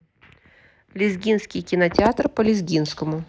лезгинский кинотеатр по лезгинскому